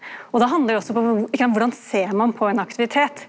og då handlar det også ikkje sant korleis ser ein på ein aktivitet?